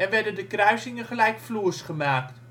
werden de kruisingen gelijkvloers gemaakt